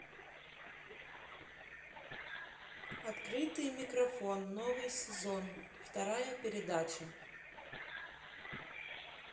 открытый микрофон новый сезон вторая передача